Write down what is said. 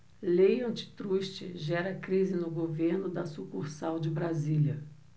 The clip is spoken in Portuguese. lei antitruste gera crise no governo da sucursal de brasília